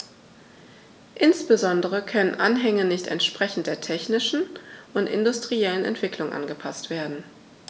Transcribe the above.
Insbesondere können Anhänge nicht entsprechend der technischen und industriellen Entwicklung angepaßt werden.